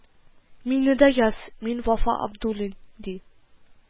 Мине дә яз, мин Вафа Абдуллин, ди